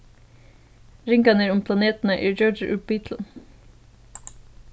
ringarnir um planetina eru gjørdir úr bitlum